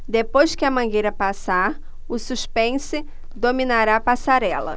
depois que a mangueira passar o suspense dominará a passarela